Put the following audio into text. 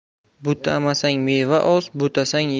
butamasang meva oz butasang